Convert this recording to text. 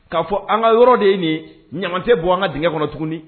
K'a fɔ an ka yɔrɔ de ye nin ɲ tɛ bɔ an ka d kɔnɔ tugun